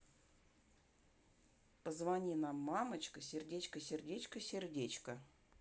позвони нам мамочка сердечко сердечко сердечко